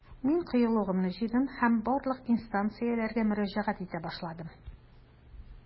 Мин кыюлыгымны җыйдым һәм барлык инстанцияләргә мөрәҗәгать итә башладым.